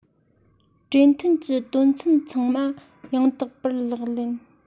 གྲོས མཐུན གྱི དོན ཚན ཚང མ ཡང དག པར ལག ལེན